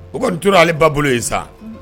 U kɔni nin tora ale ba bolo in sa